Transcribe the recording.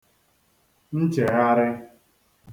nchègharị